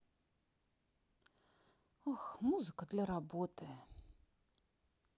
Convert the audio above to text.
музыка для работы